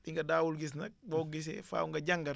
li nga daawul gis nag boo ko gisee faaw nga jàngat